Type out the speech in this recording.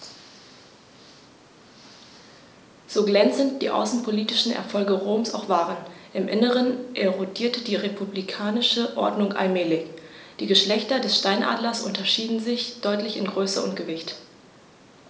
So glänzend die außenpolitischen Erfolge Roms auch waren: Im Inneren erodierte die republikanische Ordnung allmählich. Die Geschlechter des Steinadlers unterscheiden sich deutlich in Größe und Gewicht.